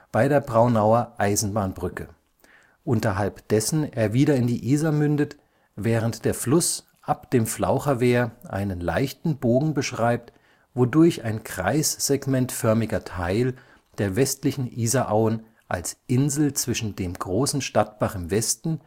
bei der Braunauer Eisenbahnbrücke, unterhalb dessen er wieder in die Isar mündet, während der Fluss ab dem Flaucherwehr einen leichten Bogen beschreibt, wodurch ein kreissegmentförmiger Teil der westlichen Isarauen als Insel zwischen dem Großen Stadtbach im Westen